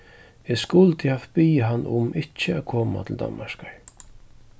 eg skuldi havt biðið hann um ikki at koma til danmarkar